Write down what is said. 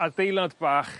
adeilad bach